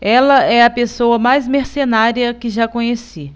ela é a pessoa mais mercenária que já conheci